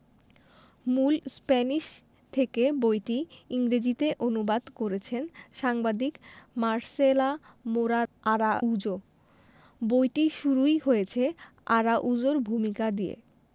মূল স্প্যানিশ থেকে বইটি ইংরেজিতে অনু্বাদ করেছেন সাংবাদিক মার্সেলা মোরা আরাউজো বইটি শুরুই হয়েছে আরাউজোর ভূমিকা দিয়ে